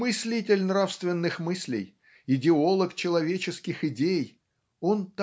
Мыслитель нравственных мыслей, идеолог человеческих идей, он